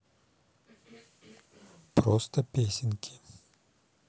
просто песенки